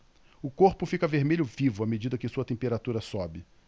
o corpo fica vermelho vivo à medida que sua temperatura sobe